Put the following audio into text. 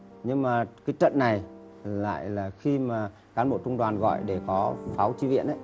nhưng mà cái trận này lại là khi mà cán bộ trung đoàn gọi để có pháo chi viện ấy